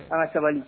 Ala sabali